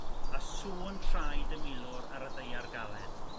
a sŵn traed y milwr ar y ddaear galed